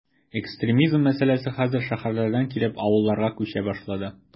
Экстремизм мәсьәләсе хәзер шәһәрләрдән китеп, авылларга “күчә” башлады.